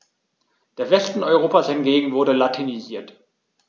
Der Westen Europas hingegen wurde latinisiert.